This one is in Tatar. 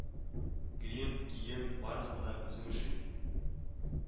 Грим, кием барысын да үзем эшлим